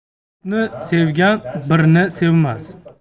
ko'pni sevgan birni sevmas